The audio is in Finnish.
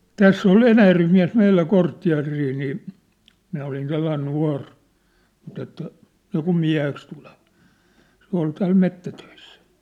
tässä oli Enäjärven mies meillä kortteeria niin minä olin sellainen nuori mutta että niin kuin mieheksi tuleva se oli täällä metsätöissä